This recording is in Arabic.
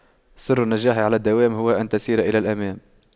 سر النجاح على الدوام هو أن تسير إلى الأمام